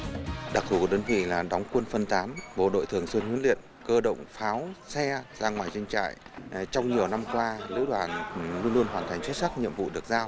đặc thù của đơn vị là đóng quân phân tán bộ đội thường xuyên huấn luyện cơ động pháo xe ra ngoài doanh trại trong nhiều năm qua lữ đoàn luôn hoàn thành xuất sắc nhiệm vụ được giao